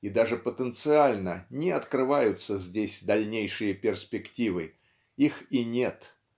и даже потенциально не открываются здесь дальнейшие перспективы -- их и нет